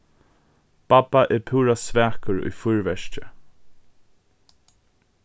babba er púra svakur í fýrverki